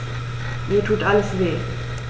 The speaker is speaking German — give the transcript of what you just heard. Mir tut alles weh.